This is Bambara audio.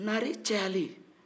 naare cayalen